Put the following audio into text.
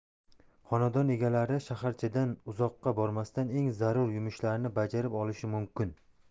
xonadon egalari shaharchadan uzoqqa bormasdan eng zarur yumushlarni bajarib olishi mumkin